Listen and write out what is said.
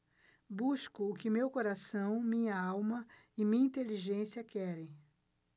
busco o que meu coração minha alma e minha inteligência querem